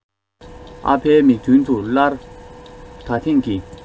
ཨ ཕའི མིག མདུན དུ སླར ད ཐེངས ཀྱི